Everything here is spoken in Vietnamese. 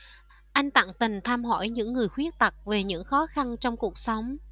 anh tận tình thăm hỏi những người khuyết tật về những khó khăn trong cuộc sống